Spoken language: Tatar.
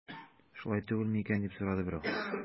Шулай түгел микән дип сорады берәү.